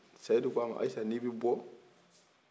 seyidu k'a ma ayisa ni bi bɔ